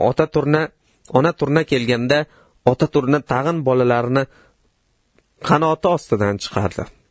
ota turna tag'in bolalarini qanoti ostidan chiqardi